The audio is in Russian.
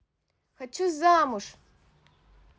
хочу замуж